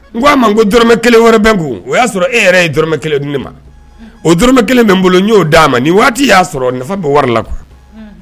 N ko a ma ko duramɛ kelen wɛrɛ bɛ o y'a sɔrɔ e yɛrɛ ye duramɛ kelen dun ma o dɔrɔmɛ kelen bɛ bolo n'o d'a ma nin waati y'a sɔrɔ nafa bɔ wari la kuwa